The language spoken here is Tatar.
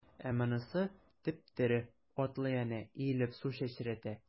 Ә монысы— теп-тере, атлый әнә, иелеп су чәчрәтә.